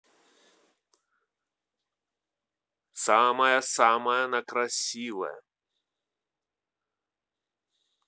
самая самая она красивая